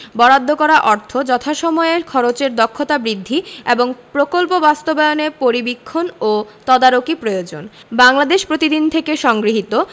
বরাদ্দ করা অর্থ যথাসময়ে খরচের দক্ষতা বৃদ্ধি এবং প্রকল্প বাস্তবায়নে পরিবীক্ষণ ও তদারকি প্রয়োজন বাংলাদেশ প্রতিদিন থেলে সংগৃহীত